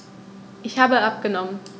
Ich habe abgenommen.